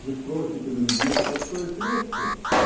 Вы спросите: но ведь есть простое средство?.